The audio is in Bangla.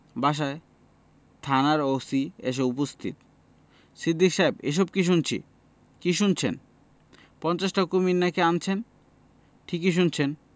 বাসায় থানার ওসি এসে উপস্থিত 'সিদ্দিক সাহেব এসব কি শুনছি কি শুনছেন পঞ্চাশটা কুমীর না কি আনছেন ঠিকই শুনেছেন